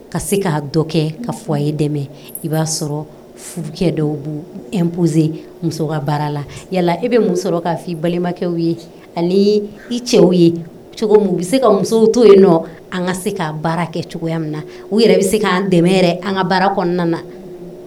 Ka se k'a kɛ ka fɔ a ye dɛmɛ i b'a sɔrɔ fukɛ dɔwpzse muso ka baara la yala i bɛ muso sɔrɔ k'a fɔ balimakɛ ye ani i cɛ ye bɛ se ka musow to yen an ka se ka baara kɛ cogoya min na u yɛrɛ bɛ se k'an dɛmɛ an ka baara kɔnɔna na